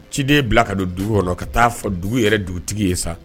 Ciden bila ka don dugu yɔrɔ ka taa'a fɔ dugu yɛrɛ dugutigi ye sa